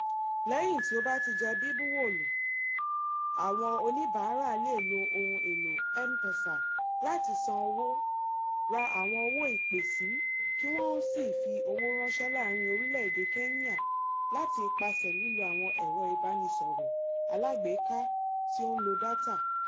Lẹ́yìn tí ó bá ti jẹ́ bíbuwọ́lù, àwọn oníbàárà le lo ohun èlò M-Pesa láti san owó, ra àwọn owó ìpè sii kí wọn ó sì fi owó ráńṣẹ́ láàárín orílẹ̀-èdè Kenya láti ipasẹ̀ lílo àwọn ẹ̀rọ ìbáraẹnisọ̀rọ̀ alágbèéká tí ó ń lo dátà.